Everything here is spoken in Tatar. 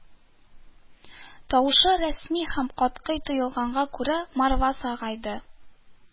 Тавышы рәсми һәм катгый тоелганга күрә, Марва сагайды: